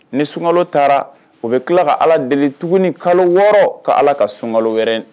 Ni sunka taara u bɛ tila ka ala deli tuguni ni kalo wɔɔrɔ ka ala ka sunka wɛrɛ